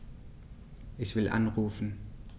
Ich will anrufen.